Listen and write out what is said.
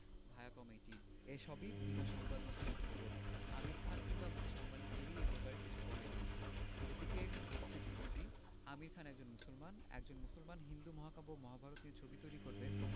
Viacom eighteen এই সবই বিভিন্ন সংবাদমাধ্যমের খবর আমির খান কিংবা মুকেশ আম্বানি কেউই এ ব্যাপারে এখনো কিছু বলেননি এদিকে ঘটেছে বিপত্তি আমির খান একজন মুসলমান একজন মুসলমান হিন্দু মহাকাব্য মহাভারত নিয়ে ছবি তৈরি করবেন